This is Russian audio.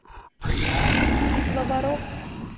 битва воров